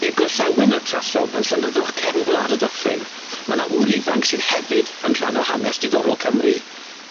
I'r gorllewin o'r Trallwng yn llenyddwch cefn gwlad y dyffryn ma' na ŵr ifanc sydd hefyd yn rhan o hanes diddorol Cymru.